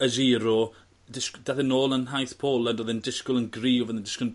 y Giro dish- dath e nôl yn nhaith Poland o'dd e'n disgwl yn gryf o'dd yn disgwl 'n